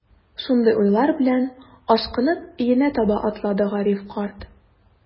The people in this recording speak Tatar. Шундый уйлар белән, ашкынып өенә таба атлады Гариф карт.